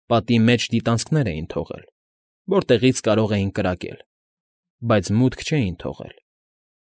Պատի մեջ դիտանցքներ էին թողել, որտեղից կարող էին կրակել, բայց մուտք չէին թողել։